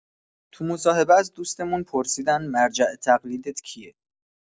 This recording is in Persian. تو مصاحبه از دوستمون پرسیدن مرجع تقلیدت کیه؟